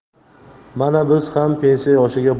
mana biz ham pensiya yoshiga